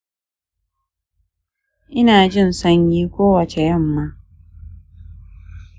ina jin sanyi kowace yamma